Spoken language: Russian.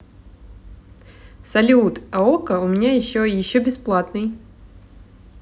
салют а okko у меня еще еще бесплатный